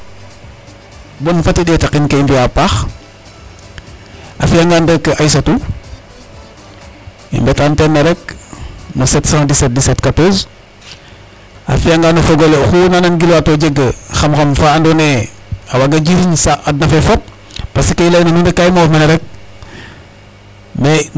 Bon fat i ɗeetahin ken i mbi'aa a paax, a fi'angaan rek Aissatou i mbet antenne ne rek no 7171714, a fi'angaan o fog ole oxu naa nangilwaa to jeg xam xam fa andoona yee a waaga jiriñ adna fe fop.